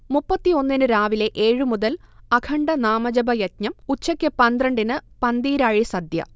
മുപ്പത്തിയൊന്നിന് രാവിലെ ഏഴുമുതൽ അഖണ്ഡ നാമജപയജ്ഞം, ഉച്ചയ്ക്ക് പന്ത്രണ്ടിന് പന്തീരാഴി സദ്യ